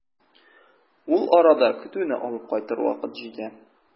Ул арада көтүне алып кайтыр вакыт җитә.